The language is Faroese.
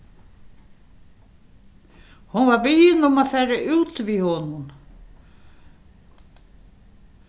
hon varð biðin um at fara út við honum